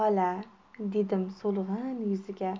xola dedim so'lg'in yuziga